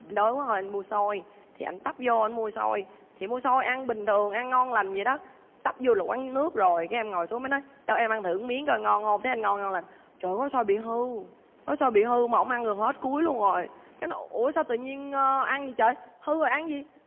anh đói quá rồi anh mua xôi thì anh tấp vô anh mua xôi thì mua xôi ăn bình thường ăn ngon lành vậy đó tấp vô quán nước rồi cái em ngồi xuống đâu đưa em ăn thử miếng ngon không thấy anh ăn ngon trời ơi gói xôi bị hư gói xôi bị hư mà ông ăn gần hết cuối luôn rồi cái nói ủa sao tự nhiên ăn vậy trời hư rồi ăn cái j